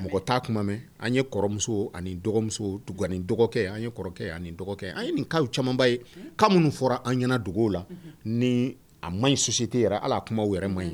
Mɔgɔ t'a kuma mɛn, an ye kɔrɔmuso ani dɔgɔmuso ani dɔgɔkɛ, an ye kɔrɔkɛ, dɔgɔkɛ an ye nin cas camanba ye ka minnu fɔra an ɲɛna dogo la ni a maɲi société la hali a kumaw yɛrɛ maɲi